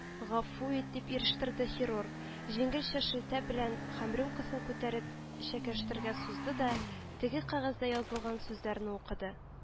— гафү ит… — дип ирештерде хирург, җиңелчә шелтә белән, һәм рюмкасын күтәреп чәкәштрергә сузды да теге кәгазьдә язылган сүзләрне укыды: